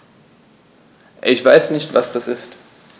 Ich weiß nicht, was das ist.